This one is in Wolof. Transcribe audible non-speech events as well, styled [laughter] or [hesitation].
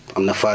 [hesitation] [hesitation]